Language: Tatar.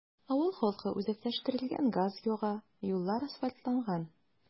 Авыл халкы үзәкләштерелгән газ яга, юллар асфальтланган.